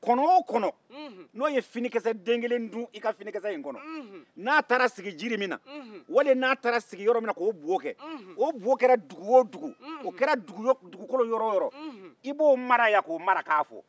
kɔnɔ o kɔnɔ n'o ye finikisɛ den kelen dun i ka finikisɛ in kɔnɔ n'a taara sigi jiri min na wali n'a taara sigi yɔrɔ min k'o bo kɛ o bo kɛra dugu o dugu o kɛra dugukolo yɔrɔ-yɔrɔi b'o mara yan k'o mara kan fɔ